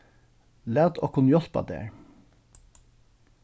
lat okkum hjálpa tær